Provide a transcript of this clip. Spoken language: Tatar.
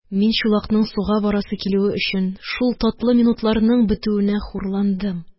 Мин, чулакның суга барасы килүе өчен, шул татлы минутларның бетүенә хурландым.